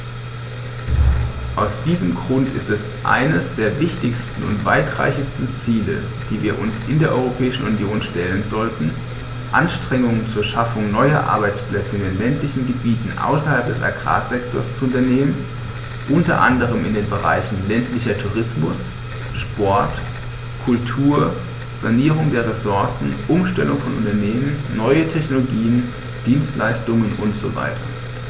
Aus diesem Grund ist es eines der wichtigsten und weitreichendsten Ziele, die wir uns in der Europäischen Union stellen sollten, Anstrengungen zur Schaffung neuer Arbeitsplätze in den ländlichen Gebieten außerhalb des Agrarsektors zu unternehmen, unter anderem in den Bereichen ländlicher Tourismus, Sport, Kultur, Sanierung der Ressourcen, Umstellung von Unternehmen, neue Technologien, Dienstleistungen usw.